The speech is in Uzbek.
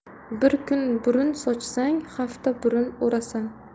bir kun burun sochsang hafta burun o'rasan